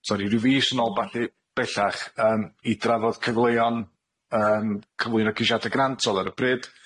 Sori ryw fis yn ôl ballu- bellach, yym i drafod cyfleon yym cyflwyno ceisiade grant o'dd o ar y pryd.